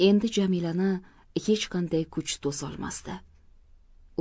endi jamilani hech qanday kuch to'solmasdi